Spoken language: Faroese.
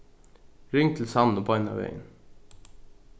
ring til sannu beinanvegin